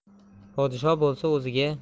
podsho bo'lsa o'ziga